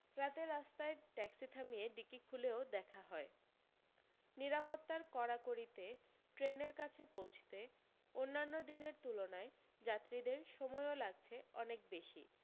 রাতে রাস্তায় ট্যাক্সি থামিয়ে ডিকি খুলেও দেখা হয় নিরাপত্তার কড়াকড়িতে ট্রেনের কাছে পৌঁছতে অন্যান্য দিনের তুলনায় যাত্রীদের সময়ও লাগছে অনেক বেশী